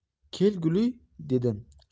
kel guli dedim